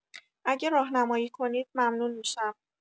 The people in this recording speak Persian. اگه راهنمایی کنید ممنون می‌شم.